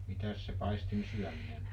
mitäs se paistinsyöminen on